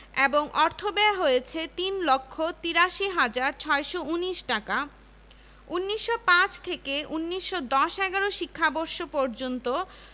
তিনি জানান যে ওই বছর পূর্ববাংলা ও আসামে ১ হাজার ৬৯৮ জন উচ্চ মাধ্যমিক স্তরের ছাত্র ছাত্রী ছিল এবং ওই খাতে ব্যয়ের পরিমাণ ছিল